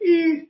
i